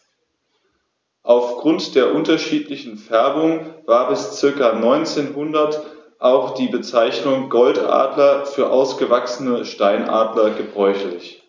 Auf Grund der unterschiedlichen Färbung war bis ca. 1900 auch die Bezeichnung Goldadler für ausgewachsene Steinadler gebräuchlich.